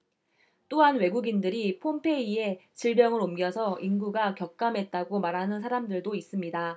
또한 외국인들이 폰페이에 질병을 옮겨서 인구가 격감했다고 말하는 사람들도 있습니다